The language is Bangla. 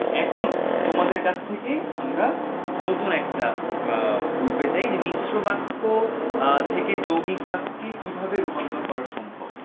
এখন তোমাদের কাছ থেকে আমরা নতুন একটা রূপে যাই যে মিশ্র বাক্য থেকে যৌগিক বাক্যে কিভাবে রূপান্তর করা সম্ভব